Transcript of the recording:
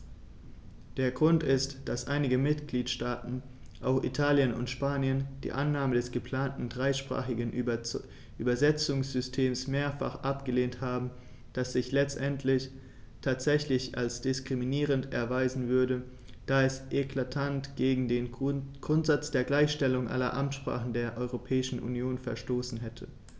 Der Grund ist, dass einige Mitgliedstaaten - auch Italien und Spanien - die Annahme des geplanten dreisprachigen Übersetzungssystems mehrfach abgelehnt haben, das sich letztendlich tatsächlich als diskriminierend erweisen würde, da es eklatant gegen den Grundsatz der Gleichstellung aller Amtssprachen der Europäischen Union verstoßen hätte.